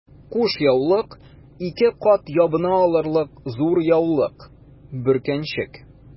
Кушъяулык— ике кат ябына алырлык зур яулык, бөркәнчек...